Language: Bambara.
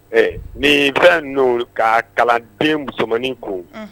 Ɛ niin fɛn ninnu k'a kalan den musomannin kun unh